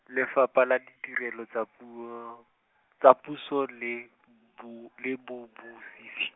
Lefapha la Ditirelo tsa Puo, tsa Puso le, Bo-, le Bobusisi.